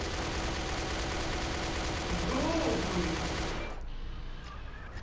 глупый